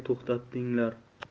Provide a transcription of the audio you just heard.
g'allani nega to'xtatdinglar